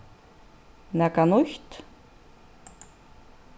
nakað nýtt